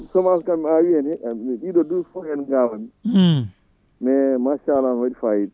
semence kaam mi awi hen ɗiɗo duuɓi foof ko hen gawanmi mais machallah ne waɗi fayida